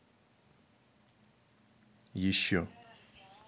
еще